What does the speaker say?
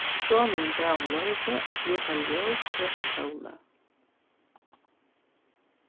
sonurin bað um loyvi at brúka ljóstøkutólið